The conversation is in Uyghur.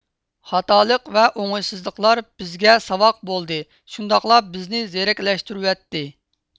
خاتالىق ۋەئوڭۇشسىزلىقلار بىزگە ساۋاق بولدى شۇنداقلا بىزنى زېرەكلەشتۈرۈۋەتتى